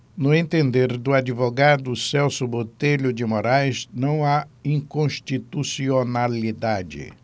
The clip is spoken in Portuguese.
no entender do advogado celso botelho de moraes não há inconstitucionalidade